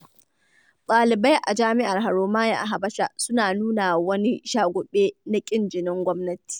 ɗalibai a jami'ar Haromaya a Habasha suna nuna wani shaguɓe na ƙin jinin gwamnati.